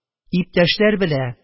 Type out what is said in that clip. Иптәшләр белә -